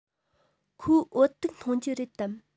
ཁོས བོད ཐུག འཐུང རྒྱུ རེད དམ